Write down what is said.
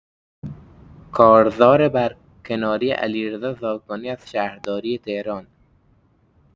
کارزار برکناری علیرضا زاکانی از شهرداری تهران